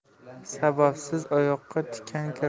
sababsiz oyoqqa tikan kirmas